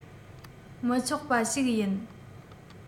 མི ཆོག པ ཞིག ཡིན